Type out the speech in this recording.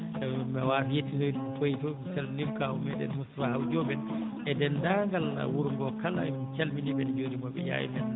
* mi wawata yettinoyde to mboy to en calminii kaawu meeɗen Moussa Diop en e denndaangal wuro ngoo kala en calminii ɓe en njuuriima ɓe Yaye